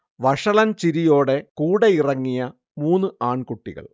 വഷളൻ ചിരിയോടെ കൂടെ ഇറങ്ങിയ മൂന്നു ആൺകുട്ടികൾ